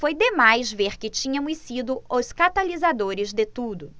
foi demais ver que tínhamos sido os catalisadores de tudo